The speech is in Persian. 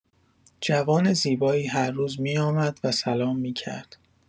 جوان زیبایی هر روز می‌آمد و سلام می‌کرد.